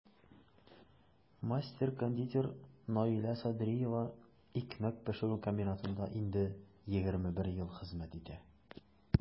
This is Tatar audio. Мастер-кондитер Наилә Садриева икмәк пешерү комбинатында инде 21 ел хезмәт итә.